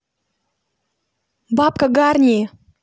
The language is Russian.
бабка гарни